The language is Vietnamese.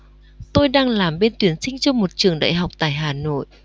tôi đang làm bên tuyển sinh cho một trường đại học tại hà nội